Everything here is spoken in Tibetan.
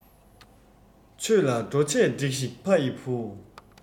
ཆོས ལ འགྲོ ཆས སྒྲིགས ཤིག ཕ ཡི བུ